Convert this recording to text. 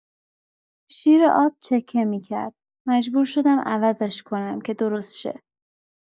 شیر آب چکه می‌کرد، مجبور شدم عوضش کنم که درست شه.